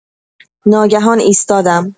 ناگهان ایستادم.